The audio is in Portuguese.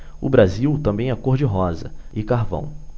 o brasil também é cor de rosa e carvão